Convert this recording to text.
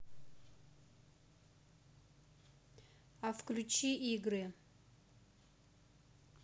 а включи игры